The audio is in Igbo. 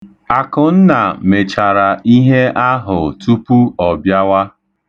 Akụnna mechara ihe ahụ tupu ọ bịawa.